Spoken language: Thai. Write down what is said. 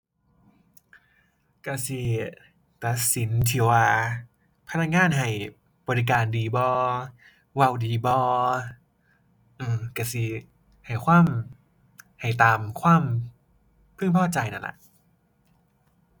ก็สิตัดสินที่ว่าพนักงานให้บริการดีบ่ เว้าดีบ่ อื้อ ก็สิให้ความ ให้ตามความพึงพอใจนั่นล่ะ